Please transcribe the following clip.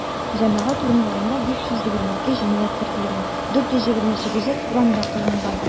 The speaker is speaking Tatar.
Җәмәгать урыннарында 522 җинаять теркәлеп, 428-е урамда кылынган.